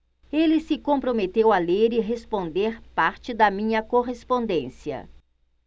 ele se comprometeu a ler e responder parte da minha correspondência